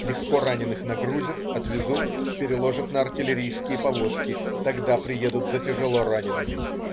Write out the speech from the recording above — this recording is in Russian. Легкораненых нагрузят, отвезут, переложат на артиллерийские повозки, тогда приедут за тяжелоранеными.